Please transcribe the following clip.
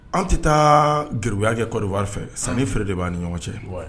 Anw tɛ taa gyakɛ kɔ wari fɛ san feere de b'a ni ɲɔgɔn cɛ